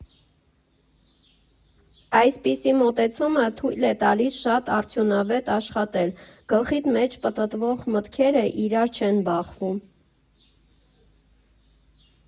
Այսպիսի մոտեցումը թույլ է տալիս շատ արդյունավետ աշխատել՝ գլխիդ մեջ պտտվող մտքերը իրար չեն բախվում։